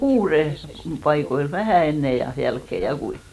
kuuden paikoilla vähän ennen ja jälkeen ja kuinka